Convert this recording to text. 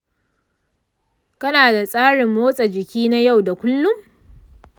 kana da tsarin motsa jiki na yau da kullun?